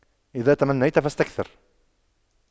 إذا تمنيت فاستكثر